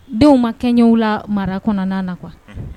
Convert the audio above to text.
Denw ma kɛɲɛ la mara kɔnɔna na kuwa